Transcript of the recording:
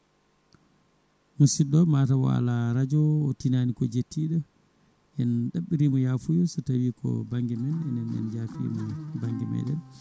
musidɗo o mataw o ala radio o tinani ko jettiɗo en ɗaɓɓirimo yafuya so tawi ko banggue men enen jaafima banggue meɗen